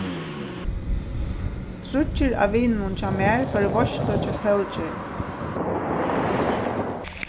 tríggir av vinunum hjá mær fóru í veitslu hjá sólgerð